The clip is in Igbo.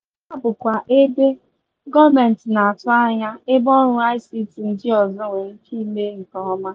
Ha bụkwa ebe, gọọmentị na-atụ anya, ebe ọrụ ICT ndị ọzọ nwere ike ime nkeọma.